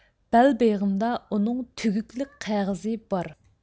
بەلبېغىمدا ئۇنىڭ تۈگۈكلۈك قەغىزى بار